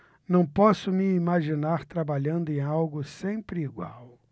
não posso me imaginar trabalhando em algo sempre igual